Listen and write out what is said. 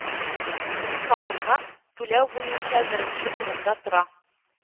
Салымнар түләү буенча беренче урында тора.